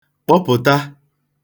kpọpụ̀ta